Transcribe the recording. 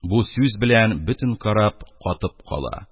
Бу сүз белән бөтен караб катып кала,